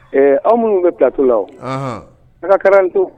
Ɛɛ aw minnu bɛ plateau la o. Anhan. A ka carte d'identité .